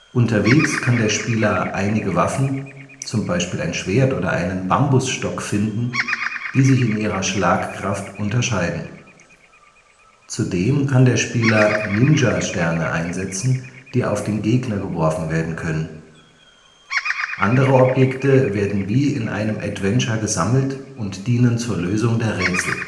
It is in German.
Unterwegs kann der Spieler einige Waffen (z. B. ein Schwert oder einen Bambusstock) finden, die sich in ihrer Schlagkraft unterscheiden. Zudem kann der Spieler Ninja-Sterne einsetzen, die auf den Gegner geworfen werden können. Andere Objekte werden wie in einem Adventure gesammelt und dienen zur Lösung der Rätsel